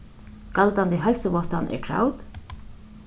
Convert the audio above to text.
galdandi heilsuváttan er kravd